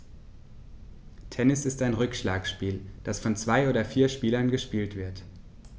Tennis ist ein Rückschlagspiel, das von zwei oder vier Spielern gespielt wird.